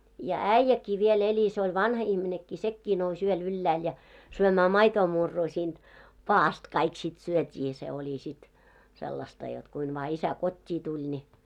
ja äijäkin vielä eli se oli vanha ihminenkin sekin nousi yöllä ylhäälle ja syömään maitomurua siitä padasta kaikki sitten syötiin se oli sitten sellaista jotta kuinka vain isä kotiin tuli niin